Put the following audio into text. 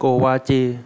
โกวาจี